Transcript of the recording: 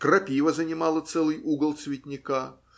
Крапива занимала целый угол цветника